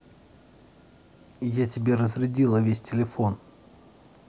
я тебе разрядила весь телефон